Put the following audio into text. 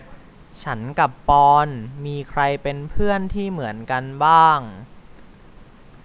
ฉันกับปอนด์มีใครเป็นเพื่อนที่เหมือนกันบ้าง